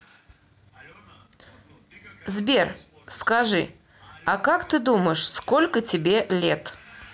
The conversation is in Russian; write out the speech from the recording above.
сбер скажи а как ты думаешь сколько тебе лет